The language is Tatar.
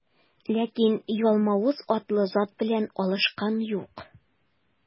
Ләкин Ялмавыз атлы зат белән алышкан юк.